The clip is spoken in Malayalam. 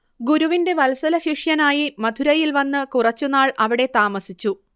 ഗുരുവിന്റെ വത്സലശിഷ്യനായി മധുരയിൽ വന്ന് കുറച്ചുനാൾ അവിടെ താമസിച്ചു